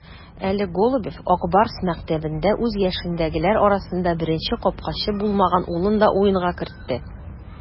Әле Голубев "Ак Барс" мәктәбендә үз яшендәгеләр арасында беренче капкачы булмаган улын да уенга кертте.